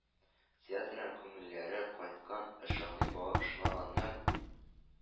Театрдан күңелләре кайткан, ышанмый башлаганнар.